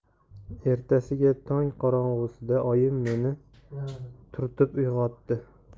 ertasiga tong qorong'isida oyim meni sekin turtib uyg'otdi